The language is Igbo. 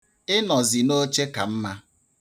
Ịnọzi n'oche ka mma.